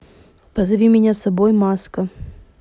позови меня с собой маска